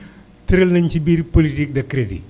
tëral nañu ci biir politique de crédit